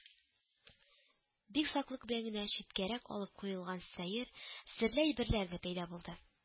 Бик саклык белән генә читкәрәк алып куелган сәер, серле әйберләр дә пәйда булды